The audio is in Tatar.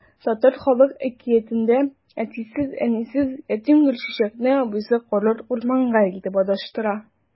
Татар халык әкиятендә әтисез-әнисез ятим Гөлчәчәкне абыйсы карурманга илтеп адаштыра.